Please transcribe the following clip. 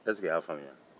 ɛseke i y'a faamuya